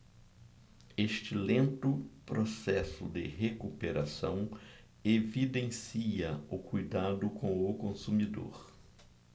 este lento processo de recuperação evidencia o cuidado com o consumidor